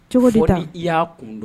Cogo da i y'a kun dɔn